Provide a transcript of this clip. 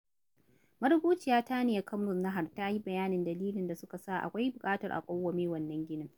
Marubuciya Tania Kamrun Nahar ta yi bayanin dalilan da suka sa akwai buƙatar a kawwame wannan ginin: